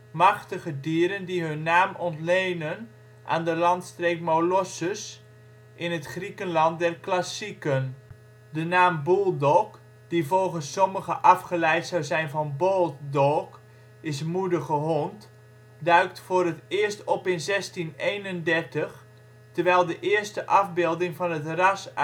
machtige dieren die hun naam ontlenen aan de landstreek Molossus in het Griekenland der klassieken. De naam Bulldog (die volgens sommigen afgeleid zou zijn van " bold dog "= moedige hond) duikt voor het eerst op in 1631, terwijl de eerste afbeelding van het ras